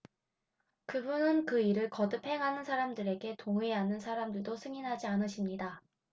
그분은 그 일을 거듭 행하는 사람들에게 동의하는 사람들도 승인하지 않으십니다